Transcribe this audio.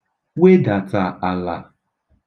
wēdàtà àlà